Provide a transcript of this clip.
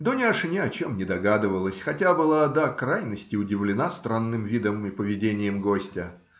Дуняша ни о чем не догадывалась, хотя была до крайности удивлена странным видом и поведением гостя.